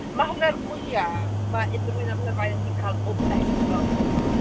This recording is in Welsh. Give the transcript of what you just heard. Ma' hwnna'r mwya ma' unrhyw un ar Love Island 'di cael o bell ffordd o blaen.